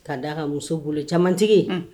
K'a daa ka muso bolo camantigi unh